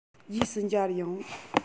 རྗེས སུ མཇལ ཡོང